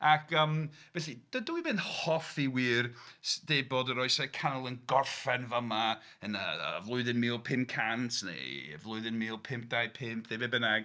Ac yym felly, dydw i'm yn hoffi wir, s- deud bod yr Oesau Canol yn gorffen fama yn y y flwyddyn {mil pum cant,1500} neu y flwyddyn mil pump dau pump, neu be bynnag.